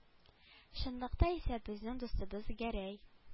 Чынлыкта исә безнең дустыбыз гәрәй